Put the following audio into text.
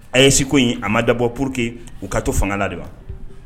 A yeseko in a ma dabɔ pour que u ka to fangala de wa